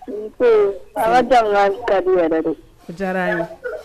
Nse aw da wɛrɛ don ye